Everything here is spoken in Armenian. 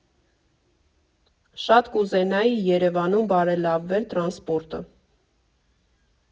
Շատ կուզենայի Երևանում բարելավվեր տրանսպորտը։